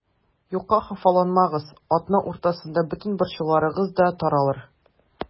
Юкка хафаланмагыз, атна уртасында бөтен борчуларыгыз да таралыр.